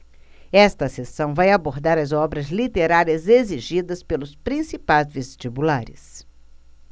esta seção vai abordar as obras literárias exigidas pelos principais vestibulares